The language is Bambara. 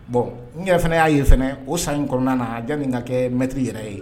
Bon n yɛrɛ fana y'a yee fana o san in kɔnɔna na jani ka kɛ mtiri yɛrɛ ye